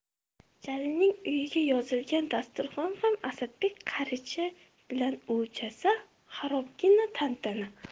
jalilning uyiga yozilgan dasturxon ham asadbek qarichi bilan o'lchansa xarobgina tantana